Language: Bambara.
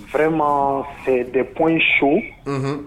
Fɛrɛma dep in so